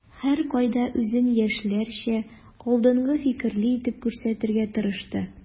Һәркайда үзен яшьләрчә, алдынгы фикерле итеп күрсәтергә тырышты.